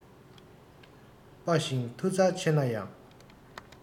དཔའ ཞིང མཐུ རྩལ ཆེ ན ཡང